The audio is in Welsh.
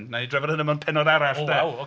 Nai drafod hyna mewn pennod arall 'de